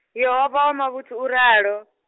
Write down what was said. Yehova wa mavhuthu uralo.